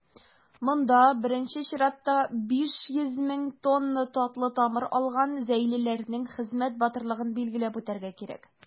Монда, беренче чиратта, 500 мең тонна татлы тамыр алган зәйлеләрнең хезмәт батырлыгын билгеләп үтәргә кирәк.